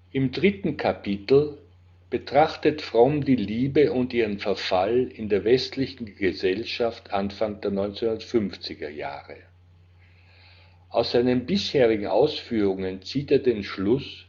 Im 3. Kapitel betrachtet Fromm die Liebe und ihren Verfall der westlichen Gesellschaft Anfang der 50er Jahre. Aus seinen bisherigen Ausführungen zieht er den Schluss